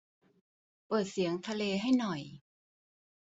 เปิดเสียงทะเลให้หน่อย